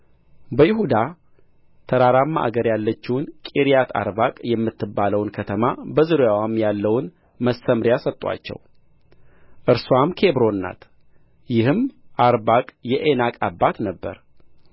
በይሁዳ ተራራማ አገር ያለችውን ቂርያትአርባቅ የምትባለውን ከተማ በዙሪያዋም ያለውን መሰምርያ ሰጡአቸው እርስዋም ኬብሮን ናት ይህም አርባቅ የዔናቅ አባት ነበረ